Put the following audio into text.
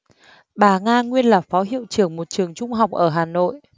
bà nga nguyên là phó hiệu trưởng một trường trung học ở hà nội